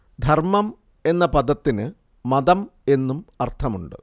ധർമം എന്ന പദത്തിന് മതം എന്നും അർഥമുണ്ട്